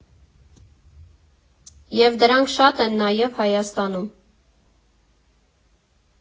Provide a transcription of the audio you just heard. Եվ դրանք շատ են նաև Հայաստանում։